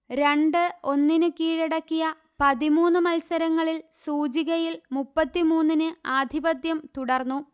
രണ്ട് ഒന്നിനു കീഴടക്കിയ പതിമൂന്ന്മല്സരങ്ങളിൽ സൂചികയിൽ മുപ്പത്തിമൂന്നിൻആധിപത്യം തുടർന്നു